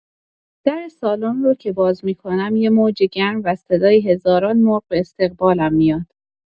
در سالن رو که باز می‌کنم، یه موج گرم و صدای هزاران مرغ به استقبالم میاد.